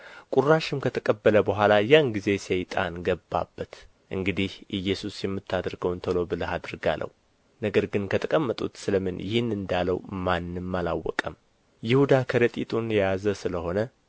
ቍራሽም ከተቀበለ በኋላ ያን ጊዜ ሰይጣን ገባበት እንግዲህ ኢየሱስ የምታደርገውን ቶሎ ብለህ አድርግ አለው ነገር ግን ከተቀመጡት ስለ ምን ይህን እንዳለው ማንም አላወቀም ይሁዳ ከረጢቱን የያዘ ስለ ሆነ